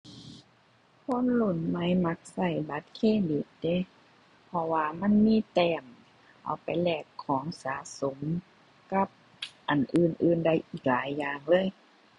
คนรุ่นใหม่มักใช้บัตรเครดิตเดะ เพราะว่ามันมีแต้มเอาไปแลกของสะสมกับอันอื่นอื่นได้อีกหลายอย่างเลย